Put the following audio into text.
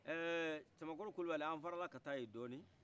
ɛɛ cɛbakɔrɔ kulibali an farana ka taa yen dɔɔni